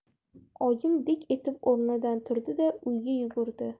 oyim dik etib o'rnidan turdi da uyga yugurdi